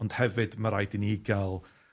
Ond hefyd, ma' raid i ni ga'l